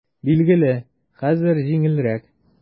Билгеле, хәзер җиңелрәк.